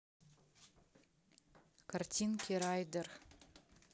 картинки райдер